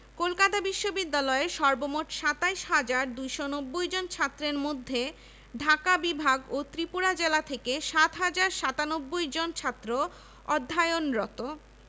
ঢাকা বিশ্ববিদ্যালয় বিলটির খসড়া সিনেটের সম্মতি লাভ করে ১৯২০ সালের ১২ ফেব্রুয়ারি ভারতীয় আইনসভায় ঢাকা বিশ্ববিদ্যালয় বিল সিলেক্ট কমিটিতে